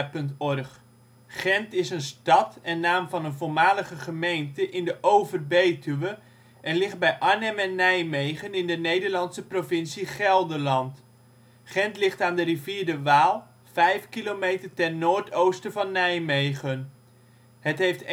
OL Gendt voorzien van een gracht in 1620. Met rechts op de kaart het Kasteel Poelwijk (Huis Welij) en linksonder de ruïne van het inmiddels verdwenen Kasteel Gendt. Gendt is een stad en naam van een voormalige gemeente in de Over-Betuwe en ligt bij Arnhem en Nijmegen in de Nederlandse provincie Gelderland. Gendt ligt aan de rivier de Waal, vijf kilometer ten noordoosten van Nijmegen. Het heeft